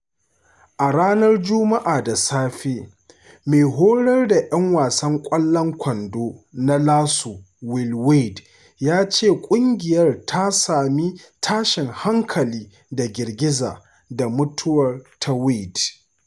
A ranar Juma’a da safe, mai horar da ‘yan wasan ƙwallon kwandon na LSU Will Wade ya ce ƙungiyar ta sami “tashin hankali” da “girgiza” da mutuwar ta Wayde.